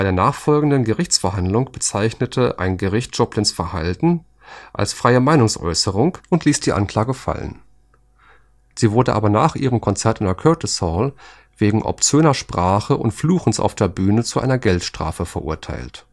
nachfolgenden Gerichtsverhandlung bezeichnete ein Gericht Joplins Verhalten als freie Meinungsäußerung und ließ die Anklage fallen. Sie wurde aber nach ihrem Konzert in der Curtis Hall wegen obszöner Sprache und Fluchens auf der Bühne zu einer Geldstrafe verurteilt